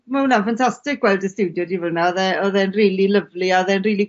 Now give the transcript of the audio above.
Ma' wnna'n ffantastic gweld dy stiwdio di fyn 'na odd e odd e'n rili lyfli a odd e'n rili